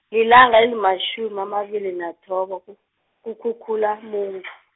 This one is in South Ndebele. lilanga elimatjhumi amabili nathoba, ku- kuKhukhulamungu.